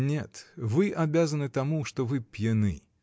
— Нет, вы обязаны тому, что вы пьяны!